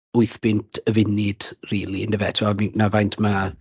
Wyth punt y funud rili yndyfe tibod, fi... 'na faint ma'...